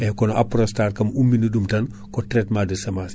eyyi kon Aprostar ummini ɗum tan ko traitement de semence